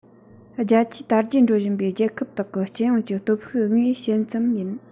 རྒྱ ཆེའི དར རྒྱས འགྲོ བཞིན པའི རྒྱལ ཁབ དག གི སྤྱི ཡོངས ཀྱི སྟོབས ཤུགས དངོས ཞན ཙམ ཡིན